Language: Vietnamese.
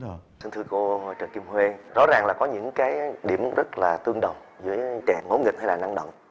thưa cô trần kim huê rõ ràng là có những cái điểm rất là tương đồng với trẻ ngỗ nghịch hay là tăng động